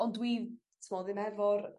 ond dwi t'mo' ddim efo'r...